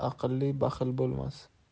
aqlli baxil bo'lmas